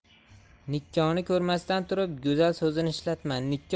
nikkoni ko'rmasdan turib go'zal so'zini ishlatma nikko